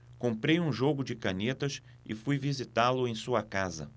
comprei um jogo de canetas e fui visitá-lo em sua casa